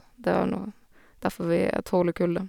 Det er vel noe derfor vi tåler kulde.